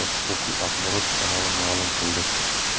axborot kanali ma'lum qildi